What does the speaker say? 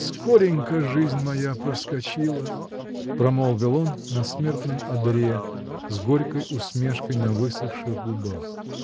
"Скоренько жизнь моя проскочила", -- промолвил он на смертном одре с горькой усмешкой на высохших губах.